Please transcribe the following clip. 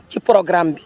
ci programme bi